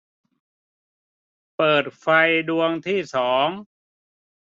เปิดไฟดวงที่สอง